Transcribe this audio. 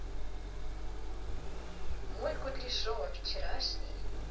мой кудряшова вчерашний